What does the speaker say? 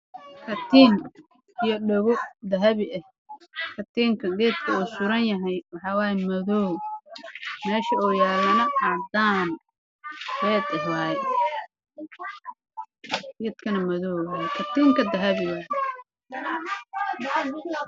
Waa katiin iyo dhago dahabi ah